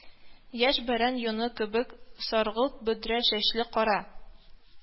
Яшь бәрән йоны кебек саргылт бөдрә чәчле, кара